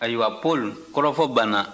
ayiwa paul kɔrɔfɔ banna